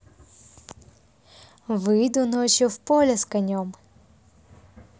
выйду ночью в поле с конем